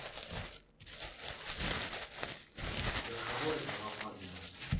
Գլխավորը գաղափարն է։